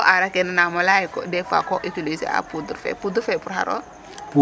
AAraa ke nanaam o laya yee dés fois ko utiliser a poudre fe poudre fe pour xaro?